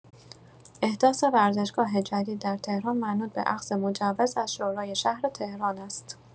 احداث ورزشگاه جدید در تهران منوط به اخذ مجوز از شورای شهر تهران است.